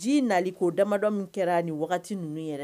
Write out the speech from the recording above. Ji nali k'o damadɔ min kɛra ni wagati ninnu yɛrɛ